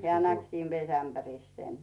hän näki siinä vesiämpärissä sen